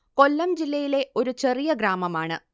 കൊല്ലം ജില്ലയിലെ ഒരു ചെറിയ ഗ്രാമമാണ്